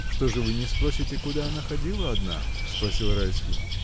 — Что же вы не спросите, куда она ходит одна? — спросил Райский.